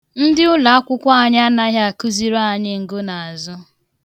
Ndị ụlọakwụkwọ anyị anaghị akuziri anyi ngụnaazụ.